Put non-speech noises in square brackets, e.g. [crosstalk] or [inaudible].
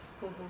[hesitation] [hesitation]